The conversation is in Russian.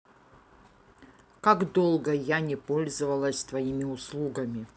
как долго я не пользовалась твоими услугами